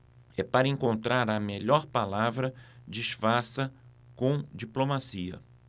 é para encontrar a melhor palavra disfarça com diplomacia